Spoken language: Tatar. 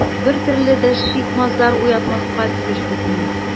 Бер төрле дә шик-мазар уятмаска тиеш бит мин...